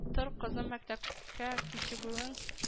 Тор кызым мәктәпкә кичегүең